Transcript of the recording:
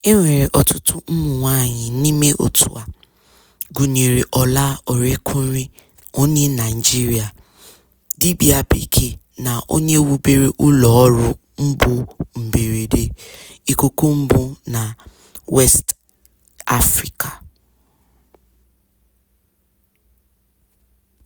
E nwere ọtụtụ ụmụnwaanyị n'ime òtù a, gụnyere Ola Orekunrin onye Naịjirịa, dibịa bekee na onye wubere ụlọọrụ ụgbọmberede ikuku mbụ na West Africa.